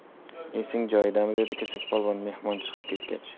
esing joyidami dedi kesakpolvon mehmon chiqib ketgach